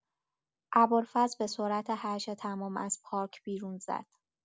ابوالفضل به‌سرعت هرچه تمام از پارک بیرون زد.